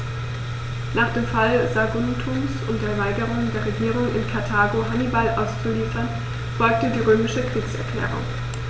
Nach dem Fall Saguntums und der Weigerung der Regierung in Karthago, Hannibal auszuliefern, folgte die römische Kriegserklärung.